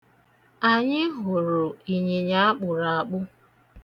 Anyị hụrụ ịnyịnya akpụrụ akpụ.